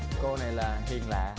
cô này là hiền lạ